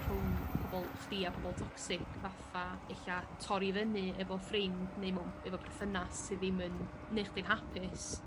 rhwng pobol chdi a pobol toxic fatha ella torri fyny efo ffrind neu mown efo perthynas sy ddim yn neu' chdi'n hapus.